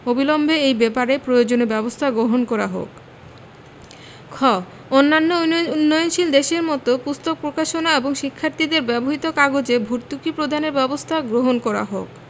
অবিলম্বে এই ব্যাপারে প্রয়োজনীয় ব্যাবস্থা গ্রহণ করা হোক খ অন্যান্য উন্নয়নশীল দেশের মত পুস্তক প্রকাশনা ও শিক্ষার্থীদের ব্যবহৃত কাগজে ভর্তুকি প্রদানের ব্যবস্থা গ্রহণ করা হোক